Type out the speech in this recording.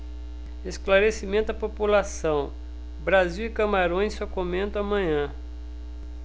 esclarecimento à população brasil e camarões só comento amanhã